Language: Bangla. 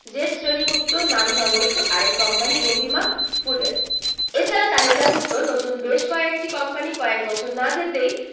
জেড শ্রেণিভুক্ত নামসর্বস্ব আরেক কোম্পানি রহিমা ফুডের এ ছাড়া তালিকাভুক্ত নতুন বেশ কয়েকটি কোম্পানি কয়েক বছর না যেতেই